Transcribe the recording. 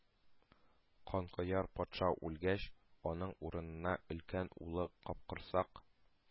Канкояр патша үлгәч, аның урынына өлкән улы Капкорсак